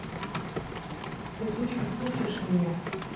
ты сучка слушаешь меня